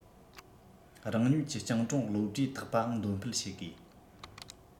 རང ཉིད ཀྱི སྤྱང གྲུང བློ གྲོས དག པའང འདོན སྤེལ བྱེད དགོས